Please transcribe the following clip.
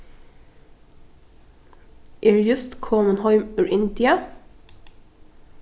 eg eri júst komin heim úr india